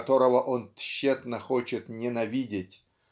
которого он тщетно хочет ненавидеть